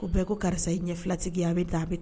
U bɛɛ ko karisa e ɲɛ filatigi ye a be tan a be